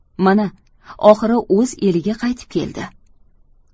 mana oxiri o'z eliga qaytib keldi